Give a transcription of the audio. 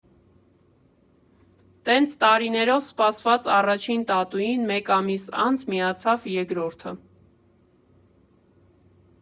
Տենց տարիներով սպասված առաջին տատուին մեկ ամիս անց միացավ երկրորդը։